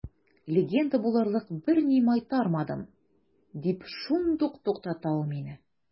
Легенда булырлык берни майтармадым, – дип шундук туктата ул мине.